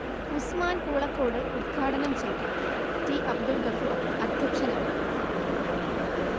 ഉസ്മാൻ പൂളക്കോട് ഉദ്ഘാടനം ചെയ്തു, ടി അബ്ദുൾഗഫൂർ അധ്യക്ഷനായി